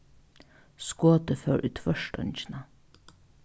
skotið fór í tvørstongina